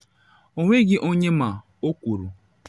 “Ọnweghị onye ma,” o kwuru.